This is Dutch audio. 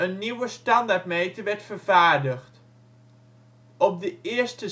nieuwe standaardmeter werd vervaardigd. Op de eerste